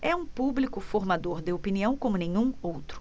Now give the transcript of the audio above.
é um público formador de opinião como nenhum outro